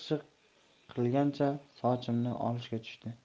shiq qilgancha sochimni olishga tushdi